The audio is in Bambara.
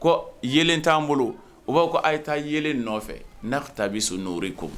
Ko yelen t'an bolo u b'a ko a ye taa yelen nɔfɛ n'a taa bɛ sɔn n' ko